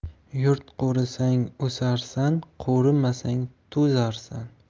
yurt qo'risang o'sarsan qo'rimasang to'zarsan